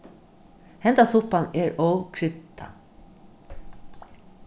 henda suppan er ov kryddað